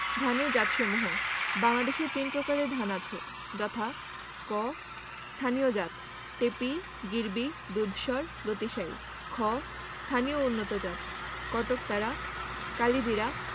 ধানের জাতসমূহ বাংলাদেশে তিন প্রকারের ধান আছে যথা ক স্থানীয় জাত টেপি গিরবি দুধসর লতিশাইল খ স্থানীয় উন্নতজাত কটকতারা কালিজিরা